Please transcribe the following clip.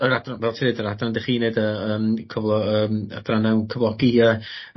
yr adran fel ti ddeud yr adran 'dych chi neud y yym cyflo- yym cyflogi y